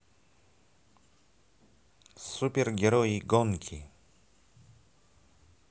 супергерои гонки